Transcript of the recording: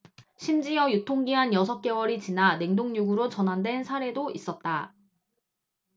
심지어 유통기한 여섯 개월이 지나 냉동육으로 전환된 사례도 있었다